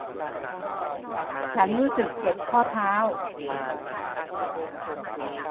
ฉันรู้สึกเจ็บข้อเท้า